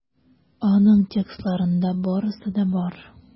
Аның текстларында барысы да бар.